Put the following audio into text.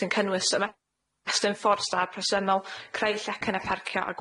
sy'n cynnwys ymestyn ffor' stad presennol creu llecyne parcio a